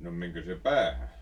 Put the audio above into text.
no menikö se päähän